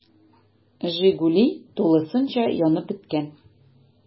“жигули” тулысынча янып беткән.